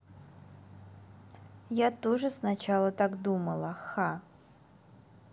я тоже сначала так думала ха